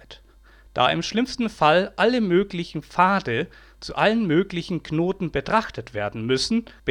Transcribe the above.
Da im schlimmsten Fall alle möglichen Pfade zu allen möglichen Knoten betrachtet werden müssen